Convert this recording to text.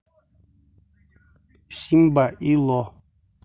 симба и ло